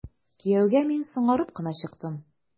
Кияүгә мин соңарып кына чыктым.